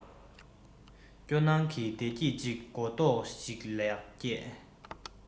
སྐྱོ སྣང ནི བདེ སྐྱིད ཅིག གོ རྟོགས ཤིག ལག སྐྱེས